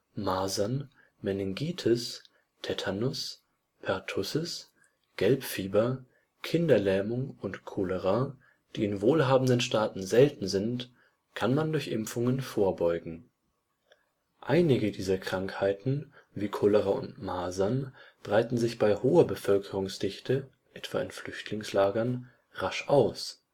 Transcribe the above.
Masern, Meningitis, Tetanus, Pertussis, Gelbfieber, Kinderlähmung und Cholera, die in wohlhabenden Staaten selten sind, kann man durch Impfungen vorbeugen. Einige dieser Krankheiten wie Cholera und Masern breiten sich bei hoher Bevölkerungsdichte, etwa in Flüchtlingslagern, rasch aus